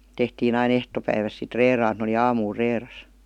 tehtiin aina ehtopäivästä sitten reilaan että ne oli aamulla reilassa